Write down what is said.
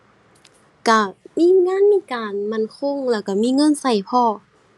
ก็มีงานมีการมั่นคง แล้วก็มีเงินก็พร้อม